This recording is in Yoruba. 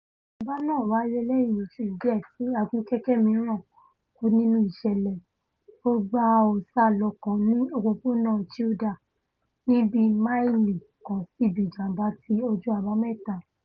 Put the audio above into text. Ìjàm̀bá náà wáyé lẹ́yìn oṣu diẹ̀ ti agunkẹ̀kẹ́ mìíràn kú nínú ìṣẹ̀lẹ̀ ó-gbá-a-ó-sálọ kan ní Òpópónà Childers ní bíi máìlì kan síbi ìjàm̀bá ti ọjọ́ Àbámẹ́ta.